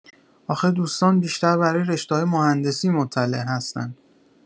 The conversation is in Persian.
آخه دوستان بیشتر برای رشته‌های مهندسی مطلع هستن